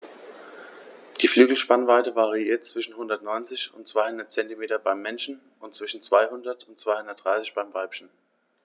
Die Flügelspannweite variiert zwischen 190 und 210 cm beim Männchen und zwischen 200 und 230 cm beim Weibchen.